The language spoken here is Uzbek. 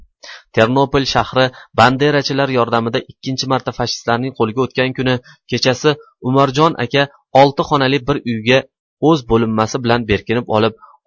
ternopol shahri benderachilar yordamida ikkinchi marta fashistlarning qo'liga o'tgan kuni kechasi umarjon aka olti xonali bir uyga o'z bo'linmasi bilan bekinib olib